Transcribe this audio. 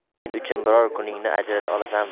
men uchun biror kuningni ajrata olasanmi